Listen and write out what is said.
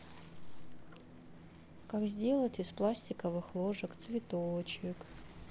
как сделать из пластиковых ложек цветочек